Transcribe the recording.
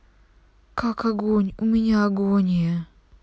как огонь у меня агония